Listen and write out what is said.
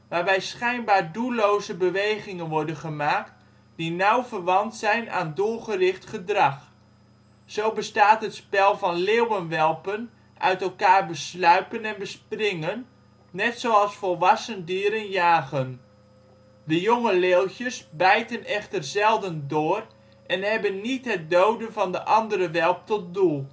waarbij schijnbaar doelloze bewegingen worden gemaakt die nauw verwant zijn aan doelgericht gedrag. Zo bestaat het spel van leeuwenwelpen uit elkaar besluipen en bespringen, net zoals volwassen dieren jagen. De jonge leeuwtjes bijten echter zelden door en hebben niet het doden van de andere welp tot doel